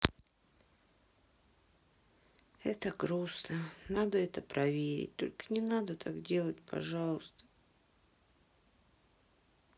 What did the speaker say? это грустно надо это проверить только не надо так делать пожалуйста